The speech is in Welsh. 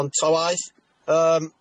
Ond ta waeth yym